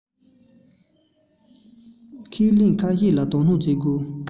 ཁས ལེན ཁ ཤས ཐད ལ དོ སྣང བྱས ཡོད